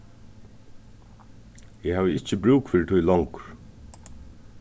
eg havi ikki brúk fyri tí longur